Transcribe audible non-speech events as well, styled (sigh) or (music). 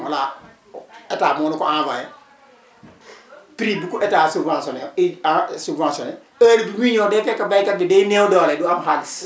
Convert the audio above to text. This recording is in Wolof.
voilà état moo ñu ko envoyé (crosstalk) prix bu ko état subventionné eh ah subventionné heure bu muy ñëw day fekk béykat bi day néew doole du am xaalis